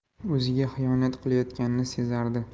o'ziga xiyonat qilayotganini sezardi